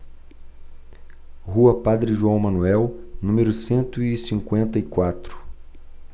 rua padre joão manuel número cento e cinquenta e quatro